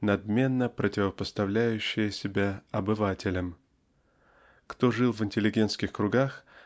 надменно противопоставляющая себя "обывателям". Кто жил в интеллигентских кругах